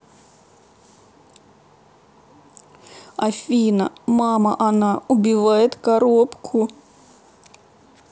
афина мама она убивает коробку